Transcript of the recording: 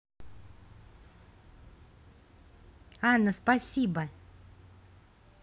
анна спасибо